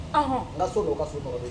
Ɔnhun Nka so no ka so kɔrɔlen don ɲɔgɔn